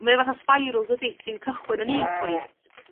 Mae o fath â sbiral dydi ti'n cychwyn yn un pwynt